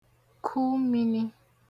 ku mini